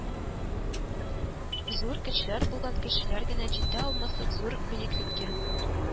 Зур көчләр булган кешеләр генә җитә алмаслык зур бөеклеккә